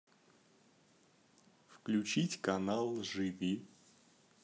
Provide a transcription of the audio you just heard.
включить канал живи